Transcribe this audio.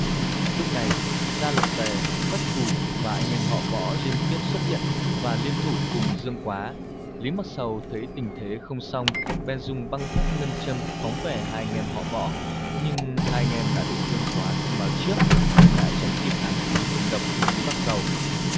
lúc này gia luật tề quách phù và anh em họ võ liên tiếp xuất hiện và liên thủ cùng dương quá lý mạc sầu thấy tình thế không xong bèn dùng băng phách ngân châm phóng về hai anh em họ võ nhưng hai anh em đã được dương quá thông báo trước nên đã tránh kịp ám khí hiểm độc từ lý mạc sầu